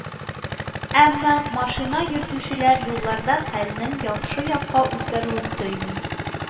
Әмма машина йөртүчеләр юлларда хәлнең яхшы якка үзгәрүен тоймый